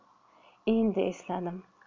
endi esladim